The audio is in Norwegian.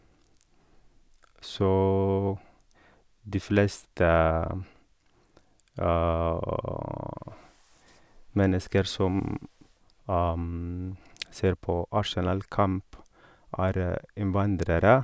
Så de fleste mennesker som ser på Arsenal-kamp, er innvandrere.